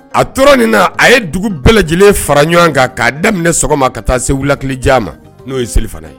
A tora nin na a ye dugu bɛɛ lajɛlen fara ɲɔgɔn kan k'a daminɛ sɔgɔma ka taa se wula tile ja ma, n'o ye selifana ye